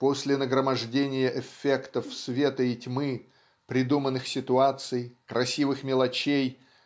после нагромождения эффектов света и тьмы придуманных ситуаций красивых мелочей